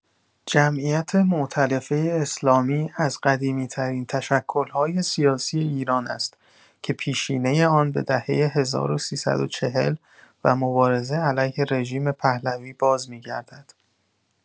جمعیت مؤتلفه اسلامی از قدیمی‌ترین تشکل‌های سیاسی ایران است که پیشینه آن به دهه ۱۳۴۰ و مبارزه علیه رژیم پهلوی بازمی‌گردد.